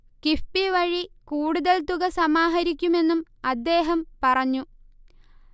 കിഫ്ബി വഴി കൂടുതൽ തുക സമാഹരിക്കുമെന്നും അദ്ദേഹം പറഞ്ഞു